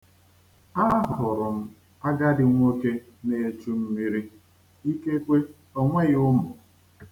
Ahụrụ m agadi nwoke na-echu mmiri, ikekwe o nweghị ụmụ.